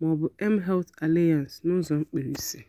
(maọbụ mHealth Alliance n'ụzọ mkpirisi).